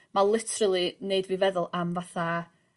ma' literally neud fi feddwl am fatha